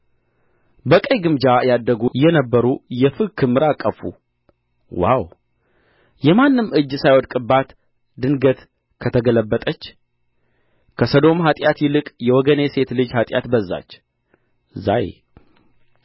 በቀይ ግምጃ ያድጉ የነበሩ የፍግ ክምር አቀፉ ዋው የማንም እጅ ሳይወድቅባት ድንገት ከተገለበጠች ከሰዶም ኃጢአት ይልቅ የወገኔ ሴት ልጅ ኃጢአት በዛች ዛይ